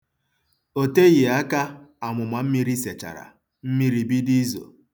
O teghi aka amụmammiri sechara, mmiri bido izo.